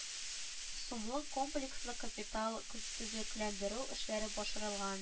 Сумлык комплекслы капиталь төзекләндерү эшләре башарылган